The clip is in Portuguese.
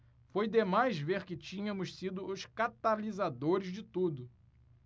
foi demais ver que tínhamos sido os catalisadores de tudo